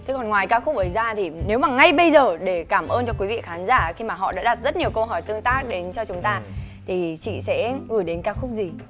thế còn ngoài ca khúc ấy ra thì nếu mà ngay bây giờ để cảm ơn cho quý vị khán giả khi mà họ đã đặt rất nhiều câu hỏi tương tác đến cho chúng ta thì chị sẽ gửi đến ca khúc gì